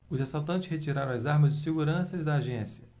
os assaltantes retiraram as armas dos seguranças da agência